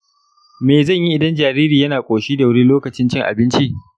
me zan yi idan jariri yana koshi da wuri lokacin cin abinci?